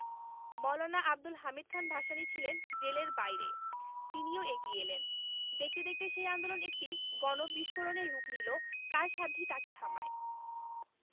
মাওলানা আবদুল হামিদ খান ভাসানী ছিলেন জেলের বাইরে তিনিও এগিয়ে এলেন দেখতে দেখতে সেই আন্দোলন একটি গণবিস্ফোরণে রূপ নিল কার সাধ্যি তাকে থামায়